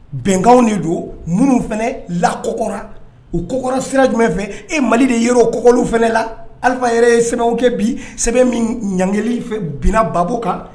Bɛnkanw de don munun fana lako kɔkɔra . U kɔkɔra sira jumɛn fɛ e mali de ye o kɔkɔli fana la Ali yɛrɛ ye sɛbɛnw kɛ bi sɛbɛn min ɲagili fɛ binna Bagibo kan.